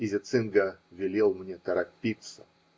И Зецинго велел мне торопиться.